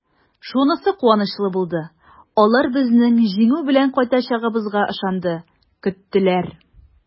Шунысы куанычлы булды: алар безнең җиңү белән кайтачагыбызга ышанды, көттеләр!